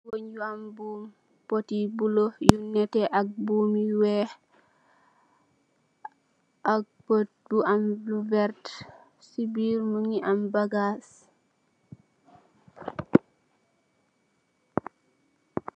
Weng bu am buum pot yu bulo bo netex ak bo weex ak pot bu am lu vertah si birr mogi am bagass.